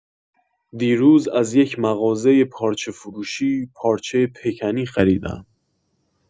دیروز از یک مغازه پارچه‌فروشی، پارچه پکنی خریدم.